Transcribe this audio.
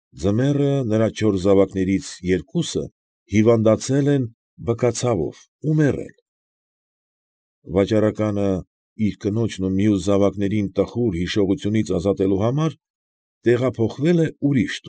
Ձմեռը նրա չորս զավակներից երկուսը հիվանդացել են բկացավով ու մեռել, վաճառականը, իր կնոջն ու մյուս զավակներին, տխուր հիշողությունից ազատելու համար, տեղափոխվել է ուրիշ։